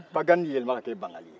pakandi de yɛlɛmana ka kɛ bangali